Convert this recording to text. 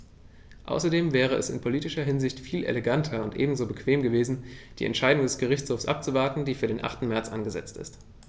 Außerdem wäre es in politischer Hinsicht viel eleganter und ebenso bequem gewesen, die Entscheidung des Gerichtshofs abzuwarten, die für den 8. März angesetzt ist.